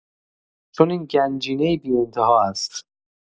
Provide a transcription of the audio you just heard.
چون این گنجینه‌ای بی‌انتها است.